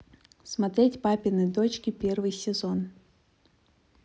смотреть папины дочки первый сезон